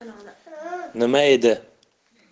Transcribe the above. nima edi